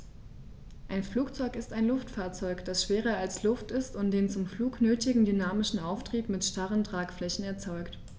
Ein Flugzeug ist ein Luftfahrzeug, das schwerer als Luft ist und den zum Flug nötigen dynamischen Auftrieb mit starren Tragflächen erzeugt.